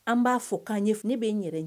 An b'a fɔ k'an ɲɛ fini ne bɛ n yɛrɛ ɲɛ